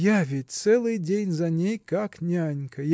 Я ведь целый день за ней, как нянька.